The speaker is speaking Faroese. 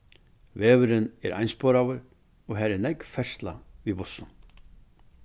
vegurin er einsporaður og har er nógv ferðsla við bussum